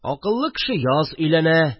Акыллы кеше яз өйләнә